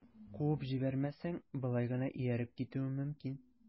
Куып җибәрмәсәң, болай гына ияреп китүем мөмкин...